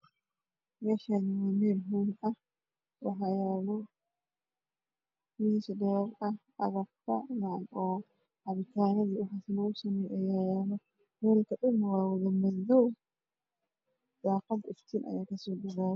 Meshani waa meel hool ah waxaa yalo miis dheer ah agabka cabitanada iyo waxaas lagu sameyo ayaa yalo hoolka dhan waa wada madoow daqada iftiin ayaa kasoo gelaya